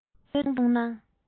དབང པོའི མཐོང སྣང